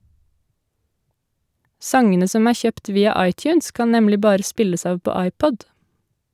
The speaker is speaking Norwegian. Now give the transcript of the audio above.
Sangene som er kjøpt via iTunes, kan nemlig bare spilles av på iPod.